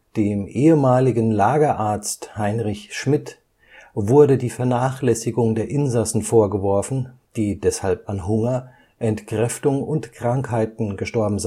Dem ehemaligen Lagerarzt Heinrich Schmidt wurde die Vernachlässigung der Insassen vorgeworfen, die deshalb an Hunger, Entkräftung und Krankheiten gestorben